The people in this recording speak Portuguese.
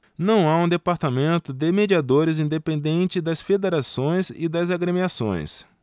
não há um departamento de mediadores independente das federações e das agremiações